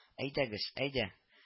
— әйдәгез, әйдә